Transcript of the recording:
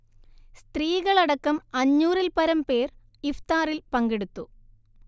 സ്ത്രീകളടക്കം അഞ്ഞൂറിൽ പരം പേർ ഇഫ്താറിൽ പങ്കെടുത്തു